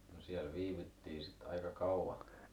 no siellä viivyttiin sitten aika kauan